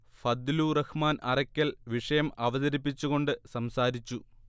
ഫദ്ലു റഹ്മാൻ അറക്കൽ വിഷയം അവതരിപ്പിച്ച് കൊണ്ട് സംസാരിച്ചു